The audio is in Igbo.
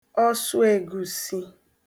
ọsụègusi